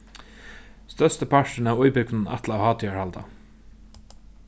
størsti parturin av íbúgvunum ætla at hátíðarhalda